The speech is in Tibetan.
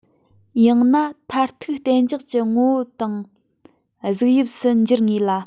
ཡང ན མཐར ཐུག གཏན འཇགས ཀྱི ངོ བོ དང གཟུགས དབྱིབས སུ འགྱུར ངེས ལ